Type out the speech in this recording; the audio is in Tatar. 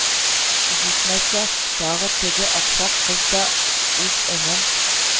Җитмәсә, тагы теге аксак кыз да: "Үз энем